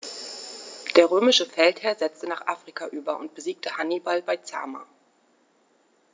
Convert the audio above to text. Der römische Feldherr setzte nach Afrika über und besiegte Hannibal bei Zama.